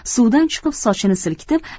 suvdan chiqib sochini silkitib